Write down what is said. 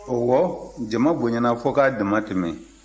ɔwɔ jama bonyana fo k'a dama tɛmɛn